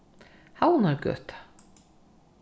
havnargøta